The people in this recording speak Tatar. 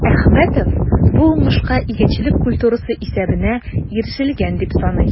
Әхмәтов бу уңышка игенчелек культурасы исәбенә ирешелгән дип саный.